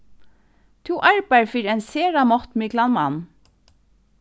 tú arbeiðir fyri ein sera máttmiklan mann